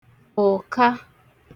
ụ̀ka